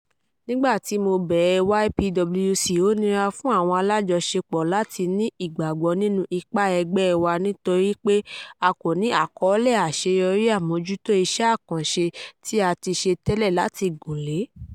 Nígbàtí mo bẹ̀rẹ̀ YPWC, ó nira fún àwọn alájọṣepọ̀ láti ní ìgbàgbọ́ nínú ipá ẹgbẹ́ wa nítorí pé a kò ní àkọ́ọ́lẹ̀ àṣeyọrí àmójútó iṣẹ́ àkànṣe tí a ti ṣe tẹ́lẹ̀ láti gùn lé.